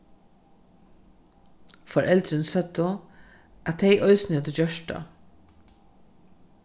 foreldrini søgdu at tey eisini høvdu gjørt tað